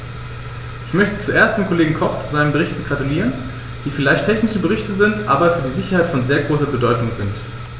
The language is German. Ich möchte zuerst dem Kollegen Koch zu seinen Berichten gratulieren, die vielleicht technische Berichte sind, aber für die Sicherheit von sehr großer Bedeutung sind.